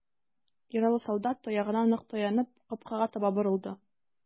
Яралы солдат, таягына нык таянып, капкага таба борылды.